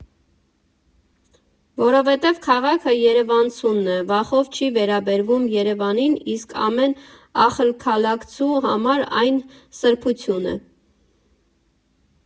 Որովհետև քաղաքը երևանցունն է, վախով չի վերաբերվում Երևանին, իսկ ամեն ախալքալաքցու համար այն սրբություն է։